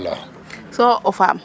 so o faam